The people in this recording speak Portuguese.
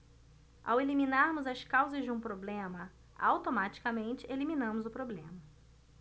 ao eliminarmos as causas de um problema automaticamente eliminamos o problema